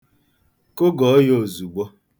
Kụgọọ ya.